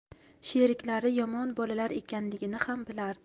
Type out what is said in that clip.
sheriklari yomon bolalar ekanligini xam bilardi